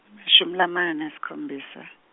emashumi lamane nesikhombisa.